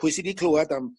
Pwy sy 'di clwad am